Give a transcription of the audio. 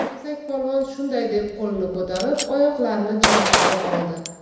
kesakpolvon shunday deb qo'lini ko'tarib oyoqlarini chalishtirib oldi